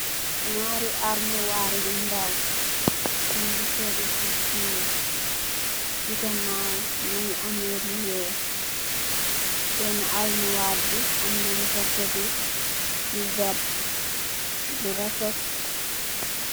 Nyaari armuwar yu ndaw, yugi tege si soof, si ganaaw mingi amme lu weex, benna armuwar bi amna lu fa tegu lu verte lu refet,